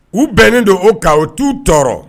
U bɛnnen don o kan u t'u tɔɔrɔ